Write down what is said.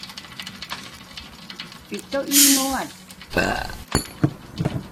ปิดเก้าอี้นวด